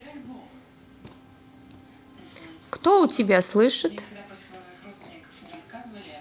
кто у тебя слышит